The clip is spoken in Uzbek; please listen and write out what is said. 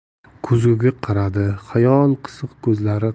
ko'zguga qaradi xiyol qisiq ko'zlari